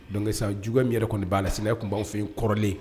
Donsa jugu min yɛrɛ kɔni de b'a la sinanya tun b' fɛ yen kɔrɔlen